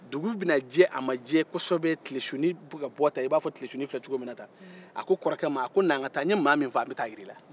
dugu bɛna jɛ a ma jɛ kɔsɔbɛ kilesuni bɛ ka bɔ ta i n'a fɔ kilesuni filɛ cogo min na ta a ko kɔrɔkɛ ma n'an ka taa n ye mɔgɔ min faga n ka taa jir'i la